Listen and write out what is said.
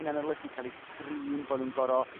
hyna'n olygu ca'l 'u trin bo nhw'n gor'o''